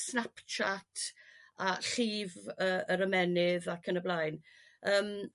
Snapchat a llif y- yr ymennydd ac yn y blaen ym